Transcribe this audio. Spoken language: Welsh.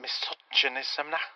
mysogenism 'na?